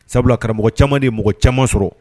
Sabula karamɔgɔ caman di mɔgɔ caman sɔrɔ